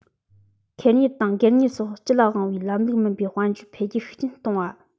ཁེར གཉེར དང སྒེར གཉེར སོགས སྤྱི ལ དབང བའི ལམ ལུགས མིན པའི དཔལ འབྱོར འཕེལ རྒྱས ཤུགས ཆེན གཏོང བ